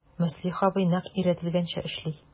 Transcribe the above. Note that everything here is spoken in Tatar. Мөслих абый нәкъ өйрәтелгәнчә эшли...